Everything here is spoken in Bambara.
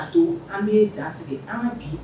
Ka to an be dan sigi an bi